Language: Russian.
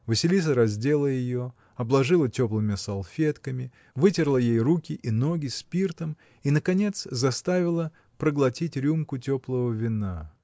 Василиса раздела ее, обложила теплыми салфетками, вытерла ей руки и ноги спиртом и наконец заставила проглотить рюмку теплого вина.